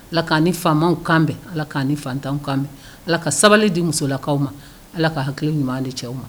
Ala kkana ni fa kan bɛ ala k'a ni fantanw kan bɛ ala ka sabali di musolakaw ma ala ka hakili ɲuman de cɛw aw ma